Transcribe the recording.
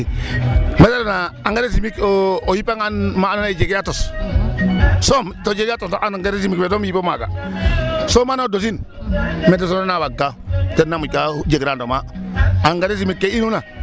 II me ta ref na engrais chimique o yipangan ma andoona yee jegee a tos soom to jegee a tos to engrais chimique fe dong yipo maaga so maana o dosin me dosan na waagka ten na moƴka jeg rendement engrais chimique ke inuna.